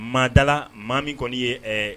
Madala maa min kɔni ye ɛɛ